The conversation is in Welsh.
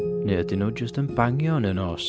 Neu ydyn nhw jyst yn bangio yn y nos?